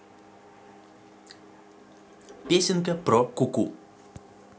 песенка про ку ку